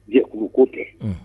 Jeli u ko tɛ